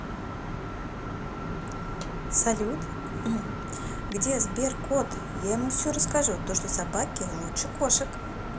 салют где сбер кот я ему все расскажу то что собаки лучше кошек